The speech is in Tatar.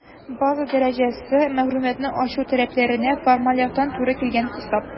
«база дәрәҗәсе» - мәгълүматны ачу таләпләренә формаль яктан туры килгән хисап.